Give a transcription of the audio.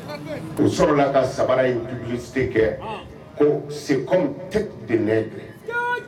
O sɔrɔla ka sabara ye sen kɛ ko seko tɛ don